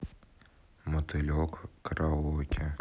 мотылек караоке